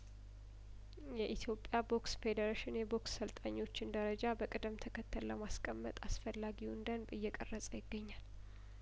የኢትዮጵያ ቦክስ ፌዴሬሽን የቦክስ ሰልጣኞችን ደረጃ በቅደም ተከተል ለማስቀመጥ አስፈላጊውን ደንብ እየቀረጸ ይገኛል